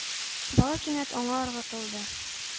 Бала кинәт аңа ыргытылды,